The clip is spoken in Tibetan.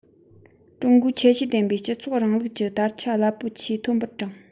ཀྲུང གོའི ཁྱད ཆོས ལྡན པའི སྤྱི ཚོགས རིང ལུགས ཀྱི དར ཆ རླབས པོ ཆེ མཐོན པོར བསྒྲེངས